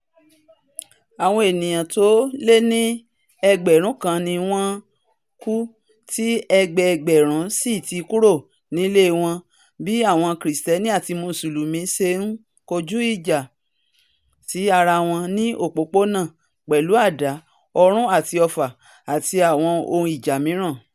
Àwọn ènìyàn tó le ní ẹgbẹ̀rún kan ni wọ́n kú tí ẹgbẹ́ẹgbẹ̀rún síi tí kúrò nílé wọn bíi àwọn Kìrìsìtẹ́nì àti Mùsùlùmí ṣe kojú ìjà sí ara wọ́n ní opópónà, pẹ̀lú àdá, ọ̀run àti ọfà, àti àwọn ohun ìjà mìíràn